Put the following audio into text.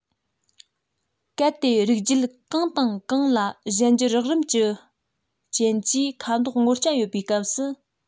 གལ ཏེ རིགས རྒྱུད གང དང གང ལ གཞན འགྱུར རགས རིམ གྱི རྐྱེན གྱིས ཁ དོག སྔོ སྐྱ ཡོད པའི སྐབས སུ